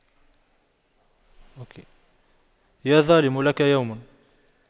يا ظالم لك يوم